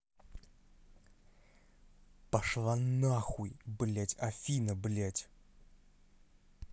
пошла нахуй блядь афина блядь